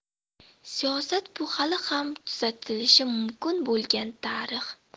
siyosat bu hali ham tuzatilishi mumkin bo'lgan tarix